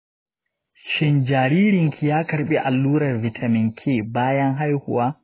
shin jaririn ki ya karɓi allurar vitamin k bayan haihuwa?